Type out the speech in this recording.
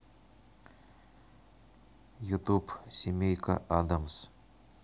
ютуб семейка адамс